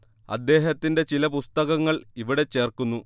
അദ്ദേഹത്തിന്റെ ചില പുസ്തകങ്ങൾ ഇവിടെ ചേർക്കുന്നു